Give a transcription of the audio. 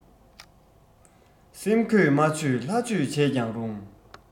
སེམས གོས མ ཆོད ལྷ ཆོས བྱས ཀྱང རུང